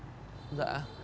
dạ